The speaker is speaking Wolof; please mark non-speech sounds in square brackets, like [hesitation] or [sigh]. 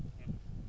[noise] [hesitation] [hesitation]